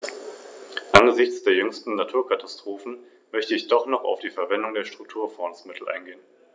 Frau Präsidentin, soeben haben wir über einen Bericht mit dem Titel "Emissionsnormen für leichte Nutzfahrzeuge" abgestimmt.